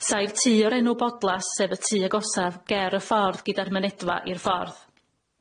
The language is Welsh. Saif tŷ o'r enw Bodlas sef y tŷ agosaf ger y ffordd gyda'r mynedfa i'r ffordd.